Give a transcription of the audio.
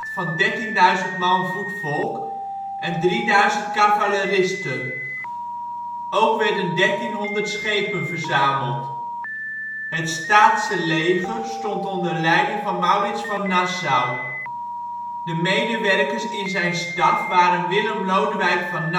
man voetvolk en 3000 cavaleristen. Ook werden 1300 schepen verzameld. Het Staatse leger stond onder de leiding van Maurits van Nassau. De medewerkers in zijn staf waren Willem Lodewijk van